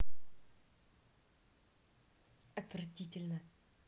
отвратительно